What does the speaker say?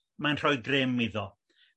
mae'n rhoi grym iddo.